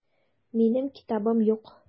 Минем китабым юк.